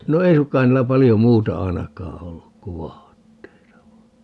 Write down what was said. no ei suinkaan niillä paljon muuta ainakaan ollut kuin vaatteita vain